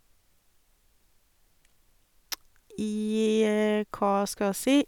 i Hva skal jeg si?